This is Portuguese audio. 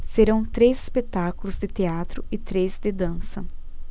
serão três espetáculos de teatro e três de dança